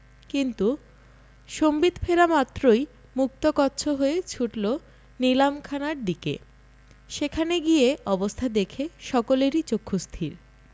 কিন্তু সম্বিত ফেরা মাত্রই মুক্তকচ্ছ হয়ে ছুটল নিলাম খানার দিকে সেখানে গিয়ে অবস্থা দেখে সকলেরই চক্ষুস্থির